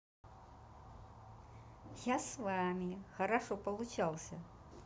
я с вами хорошо получался